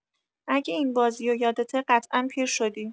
اگه این بازی رو یادته قطعا پیر شدی